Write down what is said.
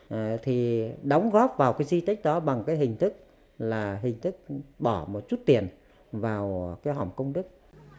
thì đóng góp vào cái di tích đó bằng các hình thức là hình thức bỏ một chút tiền vào hòm công đức